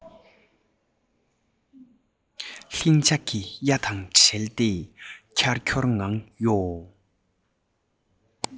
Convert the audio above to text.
ལྷིང འཇགས ཀྱི གཡའ དང བྲལ ཏེ འཁྱར འཁྱོར ངང གཡོ